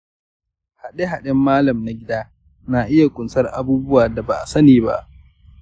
haɗe haɗen mallam na gida na iya ƙunsar abubuwa da ba a sani ba.